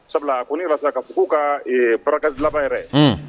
Sabula ko ne' k' ko k'u ka paz labanba yɛrɛ